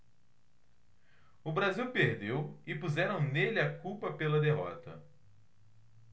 o brasil perdeu e puseram nele a culpa pela derrota